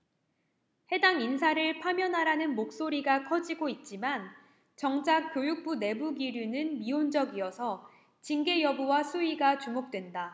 해당 인사를 파면하라는 목소리가 커지고 있지만 정작 교육부 내부기류는 미온적이어서 징계 여부와 수위가 주목된다